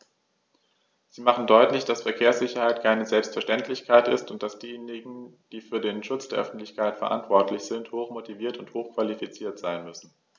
Sie machen deutlich, dass Verkehrssicherheit keine Selbstverständlichkeit ist und dass diejenigen, die für den Schutz der Öffentlichkeit verantwortlich sind, hochmotiviert und hochqualifiziert sein müssen.